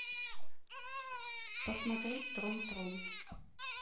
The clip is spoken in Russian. посмотреть трум трум